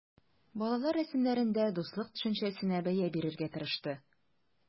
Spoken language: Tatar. Балалар рәсемнәрендә дуслык төшенчәсенә бәя бирергә тырышты.